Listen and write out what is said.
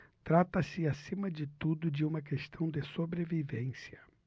trata-se acima de tudo de uma questão de sobrevivência